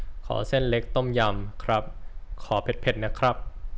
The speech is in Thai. ขอเส้นเล็กต้มยำครับขอเผ็ดเผ็ดนะครับ